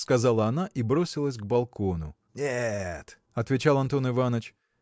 – сказала она и бросилась к балкону. – Нет – отвечал Антон Иваныч